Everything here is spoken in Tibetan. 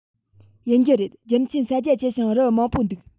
ཡིན རྒྱུ རེད རྒྱུ མཚན ས རྒྱ ཆེ ཞིང རི མང པོ འདུག